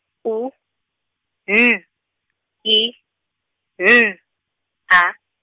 U, N, I, N, A.